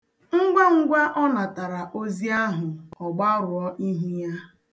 Ngwangwa ọ natara ozi ahụ, ọ gbarụọ ihu ya.